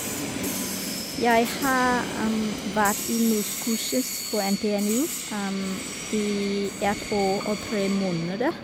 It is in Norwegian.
Jeg har vært i norskkurset på NTNU i ett år og tre måneder.